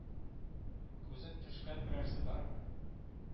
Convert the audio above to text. Күзең төшкән берәрсе бармы